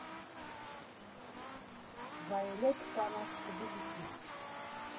Վայելեք կանաչ Թբիլիսին։